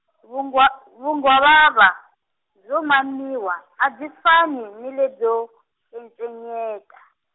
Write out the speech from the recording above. vungwa- vunghwavava, byo mamiwa a byi fani ni lebyo, encenyeta.